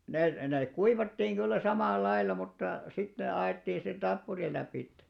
niin ne ne kuivattiin kyllä samalla lailla mutta sitten ne annettiin sen tappurin lävitse